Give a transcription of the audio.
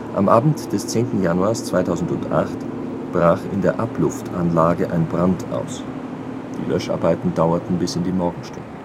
Am Abend des 10. Jänners 2008 brach in der Abluftanlage ein Brand aus, die Löscharbeiten dauerten bis in die Morgenstunden